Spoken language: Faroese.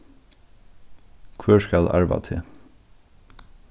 hvør skal arva teg